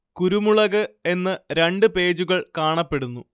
കുരുമുളക് എന്ന് രണ്ട് പേജുകൾ കാണപ്പെടുന്നു